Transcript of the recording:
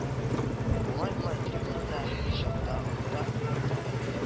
Алай-болай трибунада чакта оныта күрмә тагы